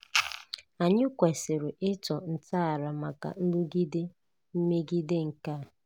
Anyị kwesịrị ịtọ ntọala maka nrụgide megide nke a.